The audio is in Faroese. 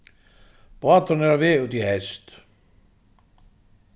báturin er á veg út í hest